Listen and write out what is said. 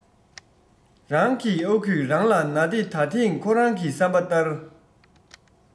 རང གི ཨ ཁུས རང ལ ན ཏེ ད ཐེངས ཁོ རང གི བསམ པ ལྟར